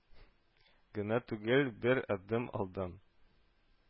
Гына түгел, бер адым алдан